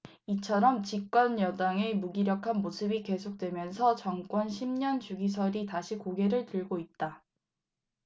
이처럼 집권 여당의 무기력한 모습이 계속되면서 정권 십 년 주기설이 다시 고개를 들고 있다